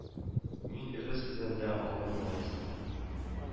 Мин өле сездән дә алырмын анысы